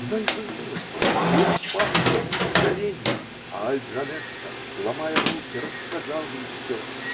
Она изумилась и упала пред ним на колени, а Аль-Джанеско, ломая руки, рассказал ей все.